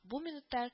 Бу минутта